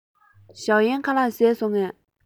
ཞའོ གཡན ཁ ལག བཟས སོང ངས